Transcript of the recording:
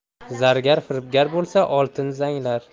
zargar firibgar bo'lsa oltin zanglar